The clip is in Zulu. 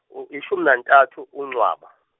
ishumi nantathu kuNcwaba.